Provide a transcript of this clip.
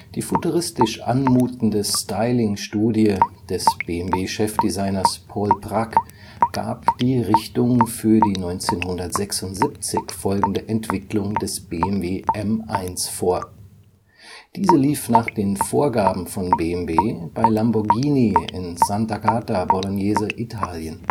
Die futuristisch anmutende Stylingstudie des BMW-Chefdesigners Paul Bracq gab die Richtung für die 1976 folgende Entwicklung des BMW M1 vor. Diese lief nach den Vorgaben von BMW bei Lamborghini in Sant’ Agata Bolognese, Italien